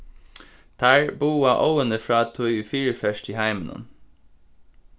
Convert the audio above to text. teir boða óðini frá tí ið fyriferst í heiminum